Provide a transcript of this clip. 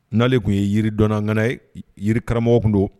N'ale tun ye yiri dɔnna ŋana yiri karamɔgɔ tun don